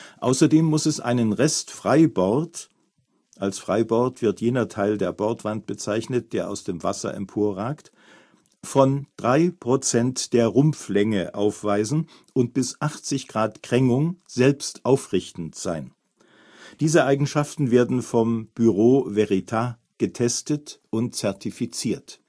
Außerdem muss es einen Restfreibord (als Freibord wird jener Teil der Bordwand bezeichnet, der aus dem Wasser emporragt) von 3 % der Rumpflänge aufweisen und bis 80° Krängung selbstaufrichtend sein. Diese Eigenschaften werden vom Bureau Veritas getestet und zertifiziert